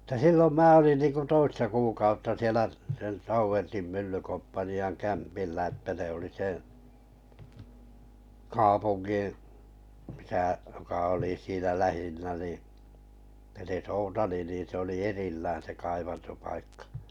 että silloin minä olin niin kuin toista kuukautta siellä siellä Tauvertin myllykomppanian kämpillä että ne oli sen kaupungin missä joka oli siinä lähinnä niin se Soutali niin se oli erillään se kaivantopaikka